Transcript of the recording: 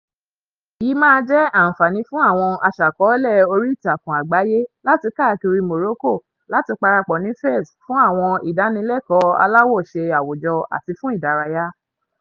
Èyí máa jẹ́ àǹfààní fún àwọn aṣàkọọ́lẹ̀ oríìtakùn àgbáyé láti káàkiri Morocco láti parapọ̀ ní Fez fún àwọn ìdánilẹ́kọ̀ọ́ aláwòṣe, àwùjọ, àti fún ìdárayá.